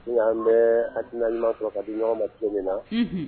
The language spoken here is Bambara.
N'an bɛ haduina sɔrɔ ka di ɲɔgɔn ma jumɛn min na